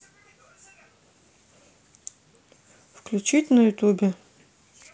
включить на ютубе